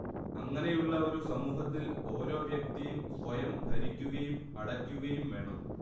അങ്ങനെയുള്ള ഒരു സമൂഹത്തിൽ ഒരോ വ്യക്തിയും സ്വയം ഭരിക്കുകയും അടക്കുകയും വേണം